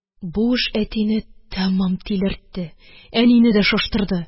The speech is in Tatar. Бу эш әтине тәмам тилертте, әнине дә шаштырды